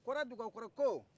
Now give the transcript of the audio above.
kɔrɛdugakɔrɛ ko